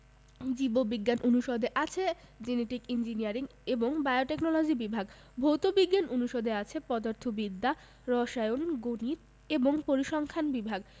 জীব বিজ্ঞান অনুষদে আছে জেনেটিক ইঞ্জিনিয়ারিং এবং বায়োটেকনলজি বিভাগ ভৌত বিজ্ঞান অনুষদে আছে পদার্থবিদ্যা রসায়ন গণিত এবং পরিসংখ্যান বিভাগ